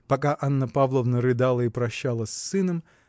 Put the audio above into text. Пока Анна Павловна рыдала и прощалась с сыном